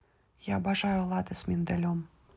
я обожаю латте с миндалем